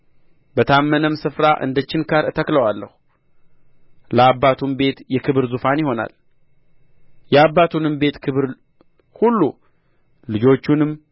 በታመነም ስፍራ እንደ ችንካር እተክለዋለሁ ለአባቱም ቤት የክብር ዙፋን ይሆናል የአባቱንም ቤት ክብር ሁሉ ልጆቹንም